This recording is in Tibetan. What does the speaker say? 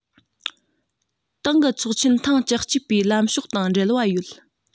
ཏང གི ཚོགས ཆེན ཐེངས བཅུ གཅིག པའི ལམ ཕྱོགས དང འབྲེལ བ ཡོད